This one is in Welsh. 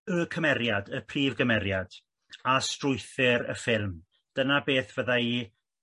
y cymeriad y prif gymeriad a strwythur y ffilm dyna beth fydda i